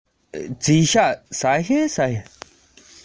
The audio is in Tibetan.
བྱིས པ ཚོས ཀྱང ང གཉིས དེད བྱུང